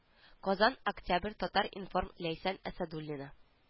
Казан октябрь татар-информ ләйсән әсәдуллина